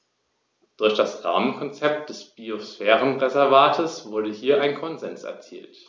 Durch das Rahmenkonzept des Biosphärenreservates wurde hier ein Konsens erzielt.